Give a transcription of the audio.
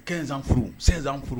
Ɛnsan furu sansan furu